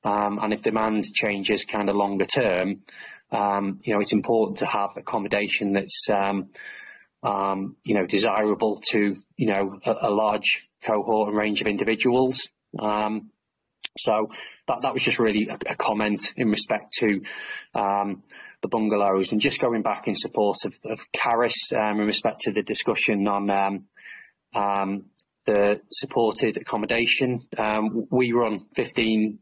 um and if demand changes kind of longer term um you know it's important to have accommodation that's um um you know desirable to you know a large cohort and range of individuals um so that that was just really a comment in respect to um the bungalows and just going back in support of of Caris um in respect to the discussion on um um the supported accommodation um we run fifteen